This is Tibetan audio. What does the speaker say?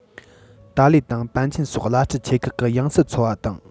ཏཱ ལའི དང པཎ ཆེན སོགས བླ སྤྲུལ ཆེ ཁག གི ཡང སྲིད འཚོལ བ དང